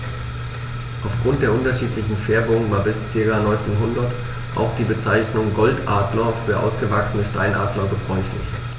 Auf Grund der unterschiedlichen Färbung war bis ca. 1900 auch die Bezeichnung Goldadler für ausgewachsene Steinadler gebräuchlich.